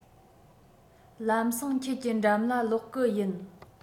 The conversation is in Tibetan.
ལམ སེང ཁྱེད ཀྱི འགྲམ ལ ལོག གི ཡིན